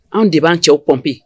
An de b'an cɛw pomper